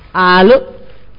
Aa